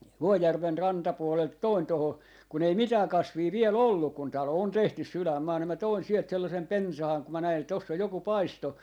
Vuojärven rantapuolelta toin tuohon kun ei mitään kasvia vielä ollut kun talo on tehty sydänmaahan niin minä toin sieltä sellaisen pensaan kun minä näin että tuossa on joku paisto